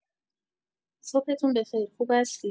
صبحتون به خیر، خوب هستید؟